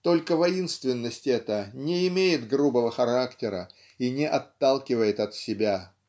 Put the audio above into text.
Только воинственность эта не имеет грубого характера и не отталкивает от себя.